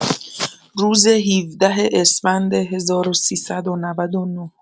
روز ۱۷ اسفند ۱۳۹۹